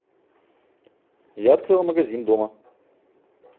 я открыла магазин дома